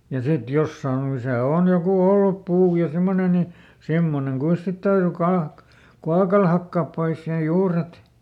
ja sitten jossakin on missä on joku ollut puu ja semmoinen niin semmoinen kuinka sitä täytyi - kuokalla hakata pois sen juuret